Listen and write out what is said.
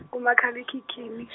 kumakhal' ekhikhini.